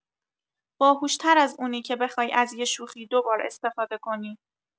باهوش‌تر از اونی که بخوای از یه شوخی دو بار استفاده کنی.